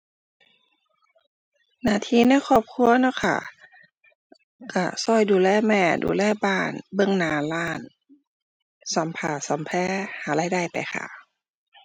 หน้าที่ในครอบครัวเนาะค่ะ ก็ก็ดูแลแม่ ดูแลบ้าน เบิ่งหน้าร้าน ซ่อมผ้าซ่อมแพร หารายได้ไปค่ะ